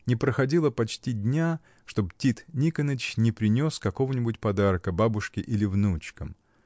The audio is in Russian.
Не проходило почти дня, чтоб Тит Никоныч не принес какого-нибудь подарка бабушке или внучкам.